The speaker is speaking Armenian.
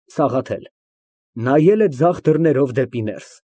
ՍԱՂԱԹԵԼ ֊ (Նայում է ձախ դռներով դեպի ներս)։